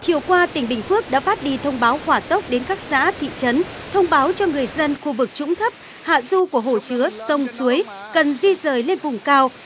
chiều qua tỉnh bình phước đã phát đi thông báo hỏa tốc đến các xã thị trấn thông báo cho người dân khu vực trũng thấp hạ du của hồ chứa sông suối cần di dời lên vùng cao